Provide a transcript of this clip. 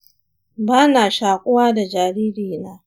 bana shakuwa da jariri na